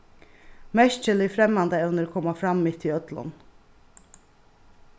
merkilig fremmandaevni koma fram mitt í øllum